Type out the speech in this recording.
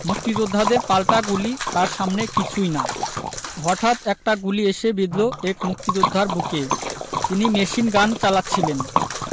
মুক্তিযোদ্ধাদের পাল্টা গুলি তার সামনে কিছুই না হতাৎ একটা গুলি এসে বিঁধল এক মুক্তিযোদ্ধার বুকে তিনি মেশিনগান চালাচ্ছিলেন